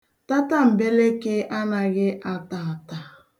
Tatambeleke anaghị ata ata.